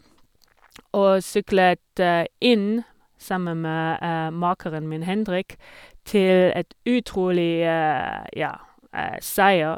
Og syklet inn, sammen med makkeren min Hendrik, til et utrolig, ja, seier.